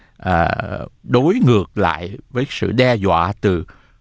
ở đối ngược lại với sự đe dọa từ